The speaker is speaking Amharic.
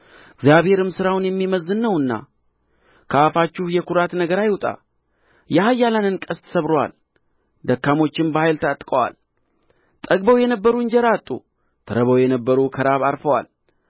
እግዚአብሔርም ሥራውን የሚመዝን ነውና ከአፋችሁ የኵራት ነገር አይውጣ የኃያላንን ቀስት ሰብሮአል ደካሞችንም በኃይል ታጥቀዋል ጠግበው የነበሩ እንጀራ አጡ ተርበው የነበሩ ከራብ ዐርፈዋል